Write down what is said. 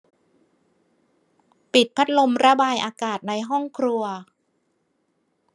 ปิดพัดลมระบายอากาศในห้องครัว